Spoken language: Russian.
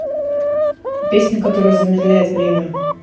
песня которая замедляет время